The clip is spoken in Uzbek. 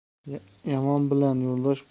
yomon bilan yo'ldosh